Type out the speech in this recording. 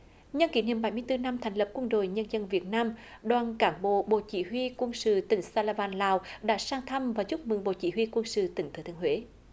nhân kỷ niệm bảy mươi tư năm thành lập quân đội nhân dân việt nam đoàn cán bộ bộ chỉ huy quân sự tỉnh sa la van lào đã sang thăm và chúc mừng bộ chỉ huy quân sự tỉnh thừa thiên huế